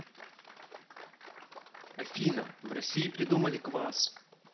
афина в россии придумали квас